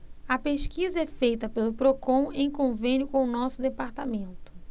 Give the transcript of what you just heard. a pesquisa é feita pelo procon em convênio com o diese